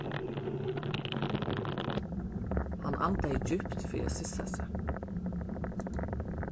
hann andaði djúpt fyri at sissa seg